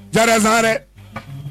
Ca sa dɛ